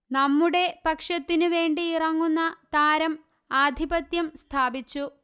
നമ്മുടെ പക്ഷത്തിനു വേണ്ടിയിറങ്ങുന്ന താരം ആധിപത്യം സ്ഥാപിച്ചു